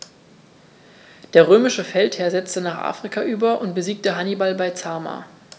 Der römische Feldherr setzte nach Afrika über und besiegte Hannibal bei Zama.